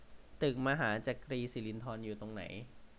ตึกมหาจักรีสิรินธรอยู่ตรงไหน